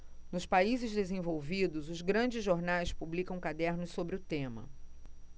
nos países desenvolvidos os grandes jornais publicam cadernos sobre o tema